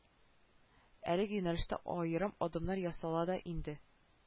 Әлеге юнәлештә аерым адымнар ясала да инде